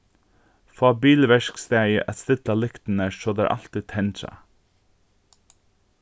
fá bilverkstaðið at stilla lyktirnar so tær altíð tendra